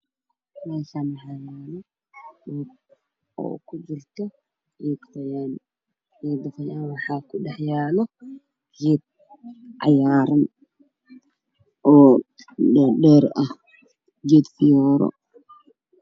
Meeshaan waxay ka muuqdo geedo meesha yaalo oo cagaar oo dhaadheer oo ku jiraan